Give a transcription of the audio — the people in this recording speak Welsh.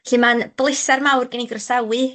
Felly ma'n bleser mawr gen i'n groesawu...